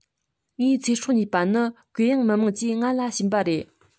ངའི ཚེ སྲོག གཉིས པ ནི ཀོས ཡང མི དམངས ཀྱིས ང ལ བྱིན པ རེད